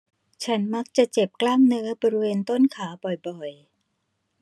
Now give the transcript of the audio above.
ฉันมักจะเจ็บกล้ามเนื้อบริเวณต้นขาบ่อยบ่อย